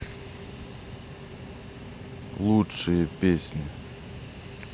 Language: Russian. лучшие песни